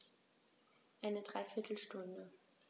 Eine dreiviertel Stunde